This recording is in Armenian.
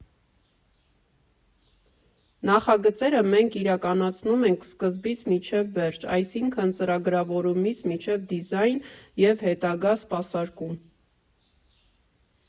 Նախագծերը մենք իրականացնում ենք սկզբից մինչև վերջ, այսինքն ծրագրավորումից մինչև դիզայն և հետագա սպասարկում։